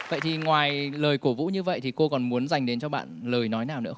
vậy thì ngoài lời cổ vũ như vậy thì cô còn muốn dành đến cho bạn lời nói nào nữa